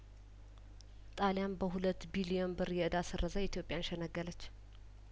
ጣልያን በሁለት ቢሊዮን ብር የእዳ ስረዛ ኢትዮጵያን ሸነገለች